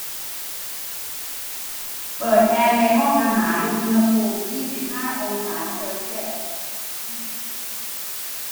เปิดแอร์ในห้องอาหารอุณหภูมิยี่สิบห้าองศาเซลเซียส